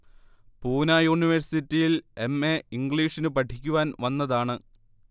പൂനാ യൂണിവേര്സിറ്റിയിൽ M. A ഇന്ഗ്ലീഷിനു പഠിക്കുവാൻ വന്നതാണ്